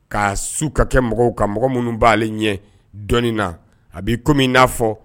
K' su ka kɛ mɔgɔw ka mɔgɔ minnu b' ɲɛ dɔɔnin na a b'i komi min n'a fɔ